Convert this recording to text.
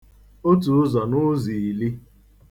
otùuzọ̀ nụụzọ̀ ìli